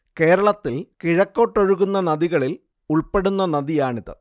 കേരളത്തിൽ കിഴക്കോട്ടൊഴുകുന്ന നദികളിൽ ഉൾപ്പെടുന്ന നദിയാണിത്